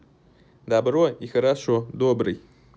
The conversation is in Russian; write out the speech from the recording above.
добро и хорошо добрый